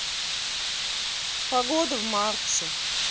погода в марксе